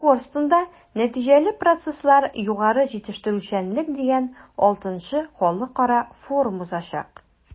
“корстон”да “нәтиҗәле процесслар-югары җитештерүчәнлек” дигән vι халыкара форум узачак.